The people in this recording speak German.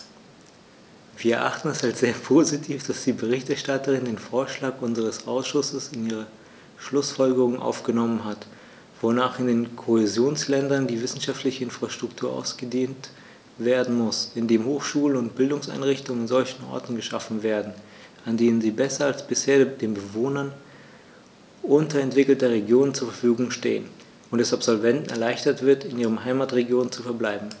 Wir erachten es als sehr positiv, dass die Berichterstatterin den Vorschlag unseres Ausschusses in ihre Schlußfolgerungen aufgenommen hat, wonach in den Kohäsionsländern die wissenschaftliche Infrastruktur ausgedehnt werden muss, indem Hochschulen und Bildungseinrichtungen an solchen Orten geschaffen werden, an denen sie besser als bisher den Bewohnern unterentwickelter Regionen zur Verfügung stehen, und es Absolventen erleichtert wird, in ihren Heimatregionen zu verbleiben.